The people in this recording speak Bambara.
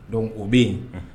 Don o bɛ yen